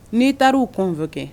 Ni taara u convoque